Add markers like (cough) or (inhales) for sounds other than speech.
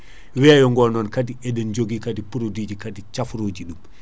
(inhales) weeyo go non kaadi eɗen joogui kadi produit hébridyji kaadi cafroji ɗum